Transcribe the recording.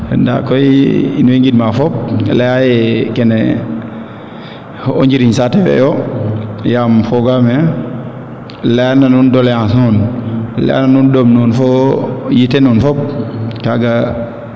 ndaa koy in way ngind ma fop leyaaye kene o njiriñ saate fee yo yaam fogaame leyana nuun deleyaas nuun leya na nuun ɗom nuun fo yite nuun fop kaaga